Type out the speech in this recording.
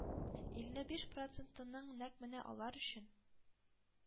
Илле биш процентының нәкъ менә алар өчен